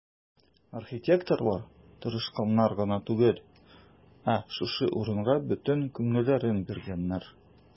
Архитекторлар тырышканнар гына түгел, ә шушы урынга бөтен күңелләрен биргәннәр.